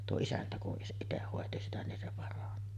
tuo isäntä kun itse hoiti sitä niin se parani